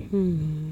Un